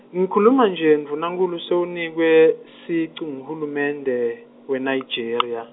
ngikhuluma nje ndvunankhulu sewunikwe, sicu nguhulumende, weNigeria.